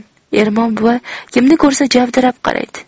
ermon buva kimni ko'rsa javdirab qaraydi